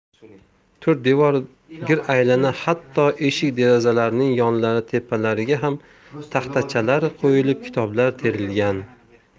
to'rt devor gir aylana hatto eshik derazalarning yonlari tepalariga ham taxtachalar qo'yilib kitoblar terilgan